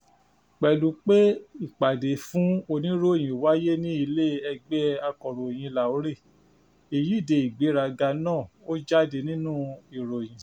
Pẹ̀lú pé ìpàdé fún oníròyìn wáyé ní Ilé Ẹgbẹ́ Akọ̀ròyìn Lahore, Ìyíde Ìgbéraga náà ó jáde nínú ìròyìn.